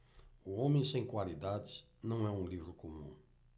o homem sem qualidades não é um livro comum